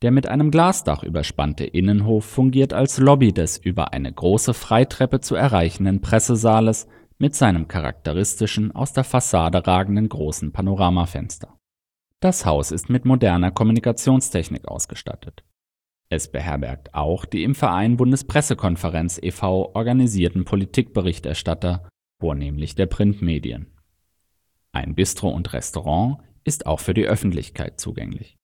mit einem Glasdach überspannte Innenhof fungiert als Lobby des über eine große Freitreppe zu erreichenden Pressesaales mit seinem charakteristischen, aus der Fassade ragenden großen Panoramafenster. Das Haus ist mit moderner Kommunikationstechnik ausgestattet. Es beherbergt auch die im Verein Bundespressekonferenz e. V. organisierten Politikberichterstatter, vornehmlich der Printmedien. Ein Bistro/Restaurant ist auch für die Öffentlichkeit zugänglich